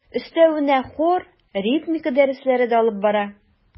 Өстәвенә хор, ритмика дәресләре дә алып бара.